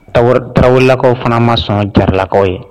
Tarawel, Tarawerelakaw fana ma sɔn jaralakaw ye.